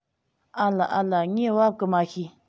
ཨ ལ ཨ ལ ངས བབ གི མ ཤེས